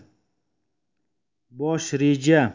bosh reja